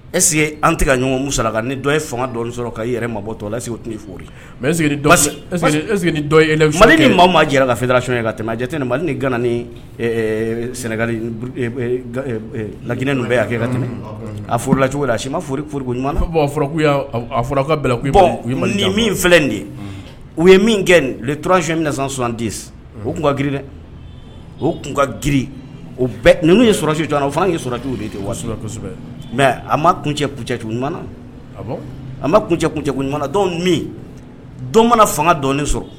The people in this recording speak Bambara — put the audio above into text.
Eseke an tigɛ ka ɲɔgɔnmu sara ka ni dɔn fanga dɔn sɔrɔ ka yɛrɛ maa bɔtɔse mɛ e e fa ni maa maa jɛra kafera so ka tɛmɛ jate ne mali ni gana ni sɛnɛga laginɛ ninnu bɛ' ka tɛmɛ a furula cogo a si ma foliɲuman ka min filɛ de ye u ye min kɛ tsiy min nasan sondi o tun ka g dɛ o tun ka g ye sɔrɔsi o fanga yecogo desɛbɛ mɛ a ma kun cɛcɛ ɲuman a ma kun cɛ kun cɛ ɲuman don min dɔ mana fanga dɔ sɔrɔ